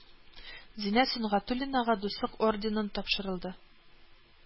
Зилә Сөнгатуллинага Дуслык орденын тапшырылды